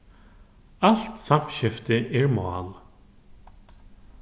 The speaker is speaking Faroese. alt samskifti er mál